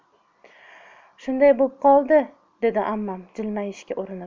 shundoq bo'p qoldi dedi ammam jilmayishga urinib